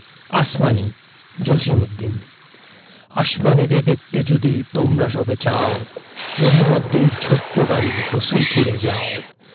আসমানী জসিমউদ্দিন আসমানীরে দেখতে যদি তোমরা সবে চাও রহিমদ্দির ছোট্ট বাড়ি রসুলপুরে যাও